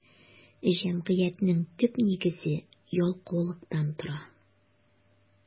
Җәмгыятьнең төп нигезе ялкаулыктан тора.